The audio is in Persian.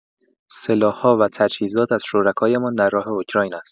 سلاح‌ها و تجهیزات از شرکایمان در راه اوکراین است.